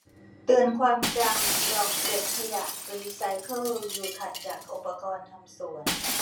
เตือนความจำกล่องเก็บขยะรีไซเคิลอยู่ถัดจากอุปกรณ์ทำสวน